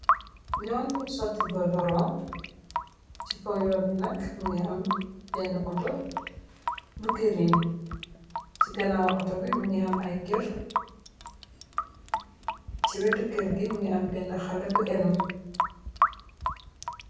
Yoon buñ sotti gor doron ci kow yoon bi nag mungi am bénn auto bu gërin ci ganaaw auto bi mu ngi am ay kër ci wetu kër gi mu ngi am bénd xalé bu énum